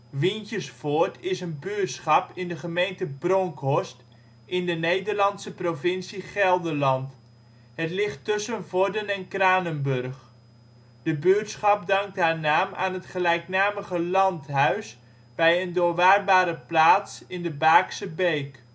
Wientjesvoort is een buurtschap in de gemeente Bronckhorst in de Nederlandse provincie Gelderland. Het ligt tussen Vorden en Kranenburg. De buurtschap dankt haar naam aan het gelijknamige landhuis bij een doorwaadbare plaats in de Baakse Beek